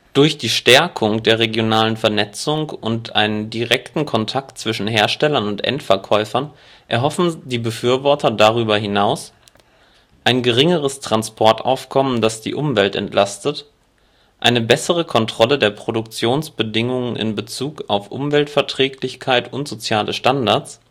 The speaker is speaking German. Durch die Stärkung der regionalen Vernetzung und einen direkteren Kontakt zwischen Herstellern und Endverkäufern erhoffen die Befürworter darüber hinaus: Ein geringeres Transportaufkommen, das die Umwelt entlastet. Eine bessere Kontrolle der Produktionsbedingungen in Bezug auf Umweltverträglichkeit und soziale Standards